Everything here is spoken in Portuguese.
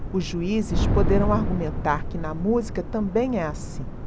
os juízes poderão argumentar que na música também é assim